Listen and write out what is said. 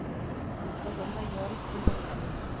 Казанда ярый син бар әле